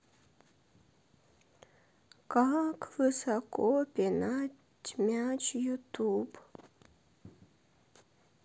как высоко пинать мяч ютуб